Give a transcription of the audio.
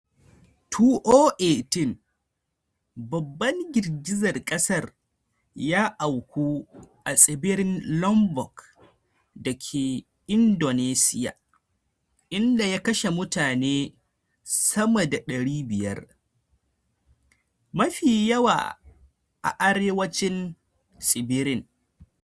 2018: Babban girgizar kasar ya auku a tsibirin Lombok dake Indonesiya, inda ya kashe mutane sama da 500, mafi yawa a arewacin tsibirin.